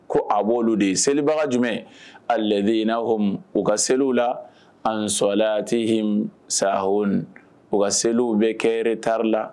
Ko a b'oolu de ye selibaga jumɛn a lajɛ in'm u ka seliw la an sɔla tɛ sa h u ka seliw bɛ kɛre tari la